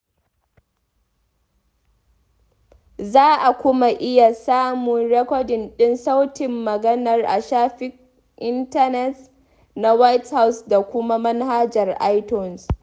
Za a kuma iya samun rikodin ɗin sautin maganar a shafin intanet na White House da kuma manhajar iTunes.